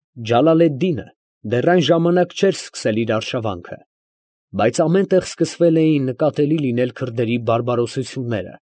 Ջալալեդդինը դեռ այն ժամանակ չէր սկսել իր արշավանքը, բայց ամեն տեղ սկսվել էին նկատելի լինել քրդերի բարբարոսությունները։